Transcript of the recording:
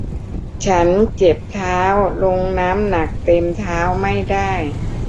ฉันเจ็บเท้าลงน้ำหนักเต็มเท้าไม่ได้